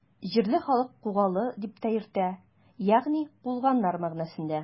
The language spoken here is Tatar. Җирле халык Кугалы дип тә йөртә, ягъни “куылганнар” мәгънәсендә.